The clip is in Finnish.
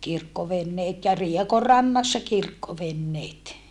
kirkkoveneet ja Riekonrannassa kirkkoveneet